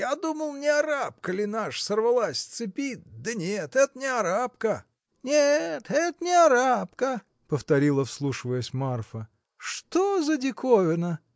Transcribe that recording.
Я думал, не арапка ли наша сорвалась с цепи, да нет, это не арапка. – Нет, это не арапка! – повторила, вслушиваясь, Марфа. – Что за диковина?